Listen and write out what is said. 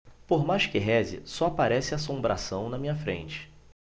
por mais que reze só aparece assombração na minha frente